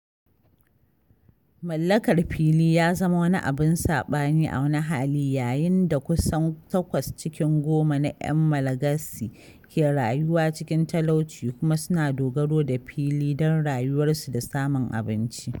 Mallakar fili ya zama wani abun saɓani a wani hali yayin da kusan takwas cikin goma na ‘yan Malagasy ke rayuwa cikin talauci kuma suna dogaro da fili don rayuwarsu da samun abinci.